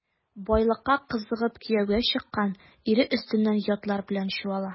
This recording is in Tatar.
Байлыкка кызыгып кияүгә чыккан, ире өстеннән ятлар белән чуала.